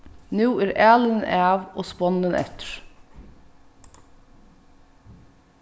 nú er alinin av og sponnin eftir